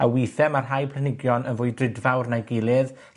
A withe ma' rhai planhigion yn fwy drudfawr na'i gilydd.